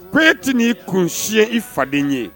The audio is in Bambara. Kuyaet y'i kun siɲɛ i faden ye